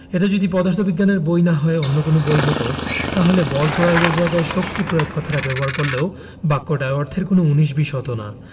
এটা যদি পদার্থবিজ্ঞানের বই না হয়ে অন্য কোনো বই হতো তাহলে বল প্রয়োগ এর জায়গায় শক্তি প্রয়োগ কথাটা ব্যবহার করলেও বাক্যটায় অর্থের কোনো উনিশ বিশ হতো না